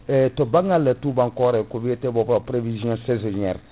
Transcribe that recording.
eyyi to banggal tubankore ko wiyate ba ko prévision saisonnière